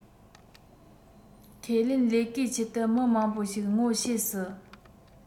ཁས ལེན ལས ཀའི ཆེད དུ མི མང པོ ཞིག ངོ ཤེས སྲིད